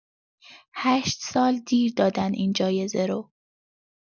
هشت سال دیر دادن این جایزه رو!